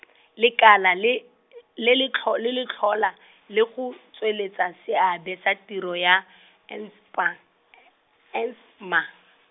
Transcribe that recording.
lekala le , le le tlho-, le le tlhola, le go, tsweletsa seabe sa tiro ya, nspa- e-, SPMA.